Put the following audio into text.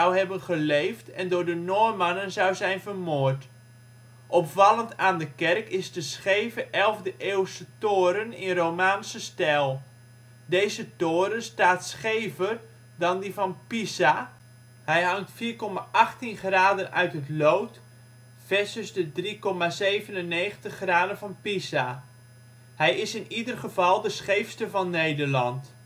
hebben geleefd en door de Noormannen zou zijn vermoord. Opvallend aan de kerk is de scheve 11e eeuwse toren in romaanse stijl. Deze toren staat schever dan die van Pisa: hij hangt 4,18 uit het lood versus de 3,97 van Pisa. Hij is in ieder geval de scheefste van Nederland